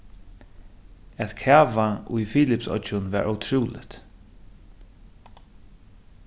at kava í filipsoyggjum var ótrúligt